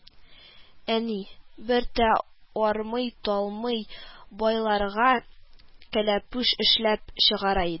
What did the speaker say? Әни, бер дә армый-талмый, байларга кәләпүш эшләп чыгара иде